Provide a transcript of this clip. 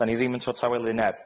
'Dan ni ddim yn trio tawelu neb.